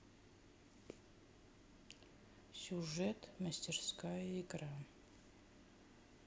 сюжет мастерская игра